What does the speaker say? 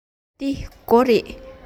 འདི སྒོ རེད